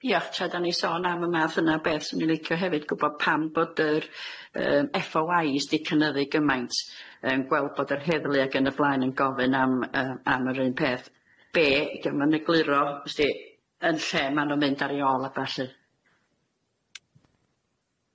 Ia tra dan ni sôn am y math yna o beth swn i'n licio hefyd gwbod pam bod yr yym Eff Owe Is di cynyddu gymaint yy yn gweld bod yr heddlu ag yn y blaen yn gofyn am yy am yr un peth, be' i gymyn egluro sdi yn lle ma' nw'n mynd ar ei ôl a ballu.